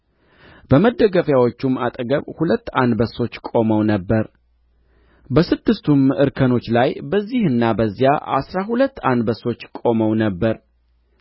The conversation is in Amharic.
በመደገፊያዎቹም አጠገብ ሁለት አንበሶች ቆመው ነበር በስድስቱም እርከኖች ላይ በዚህና በዚያ አሥራ ሁለት አንበሶች ቆመው ነበር